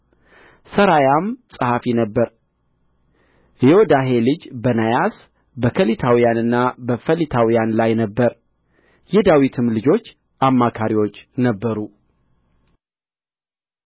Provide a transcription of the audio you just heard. ሠራያም ጸሐፊ ነበረ የዮዳሄ ልጅ በናያስ በከሊታውያንና በፈሊታውያን ላይ ነበረ የዳዊትም ልጆች አማካሪዎች ነበሩ